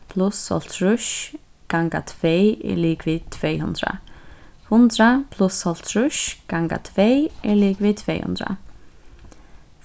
pluss hálvtrýss ganga tvey er ligvið tvey hundrað hundrað pluss hálvtrýss ganga tvey er ligvið tvey hundrað